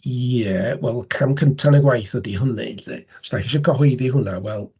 Ie. Wel, cam cynta yn y gwaith yw hynny 'lly. Os ydych chi isio cyhoeddi hwnna, wel...